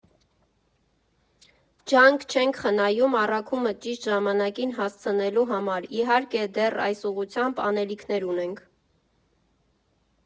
Ջանք չենք խնայում առաքումը ճիշտ ժամանակին հասցնելու համար, իհարկե, դեռ այս ուղղությամբ անելիքներ ունենք։